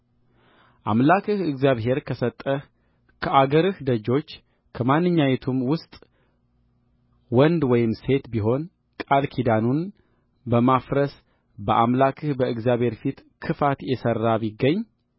አምላክህ እግዚአብሔር ከሰጠህ ከአገርህ ደጆች በማንኛይቱም ውስጥ ወንድ ወይም ሴት ቢሆን ቃል ኪዳኑን በማፍረስ በአምላክህ በእግዚአብሔር ፊት ክፋት የሠራ ቢገኝ